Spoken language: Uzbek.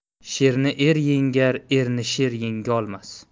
sherni er yengar erni sher yengolmas